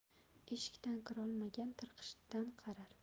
eshikdan kirolmagan tirqishdan qarar